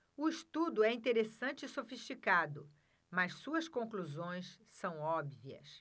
o estudo é interessante e sofisticado mas suas conclusões são óbvias